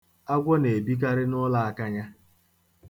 Agwọ na-ebikarị n'ụlọ akanya.